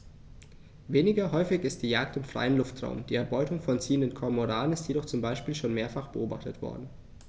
Weniger häufig ist die Jagd im freien Luftraum; die Erbeutung von ziehenden Kormoranen ist jedoch zum Beispiel schon mehrfach beobachtet worden.